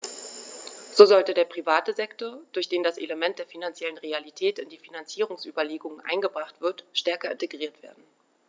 So sollte der private Sektor, durch den das Element der finanziellen Realität in die Finanzierungsüberlegungen eingebracht wird, stärker integriert werden.